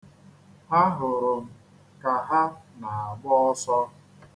Ahụrụ m ka ha na-agba ọsọ.